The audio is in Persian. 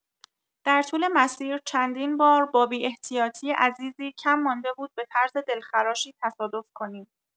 در طول مسیر چندین بار با بی‌احتیاطی عزیزی کم مانده بود به طرز دلخراشی تصادف کنیم.